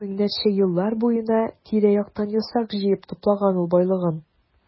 Меңнәрчә еллар буена тирә-яктан ясак җыеп туплаган ул байлыгын.